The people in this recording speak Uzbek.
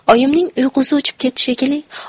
oyimning uyqusi o'chib ketdi shekilli